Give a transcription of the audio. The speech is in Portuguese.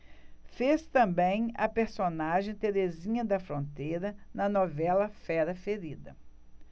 fez também a personagem terezinha da fronteira na novela fera ferida